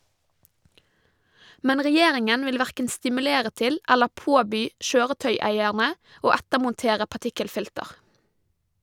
Men Regjeringen vil hverken stimulere til eller påby kjøretøyeierne å ettermontere partikkelfilter.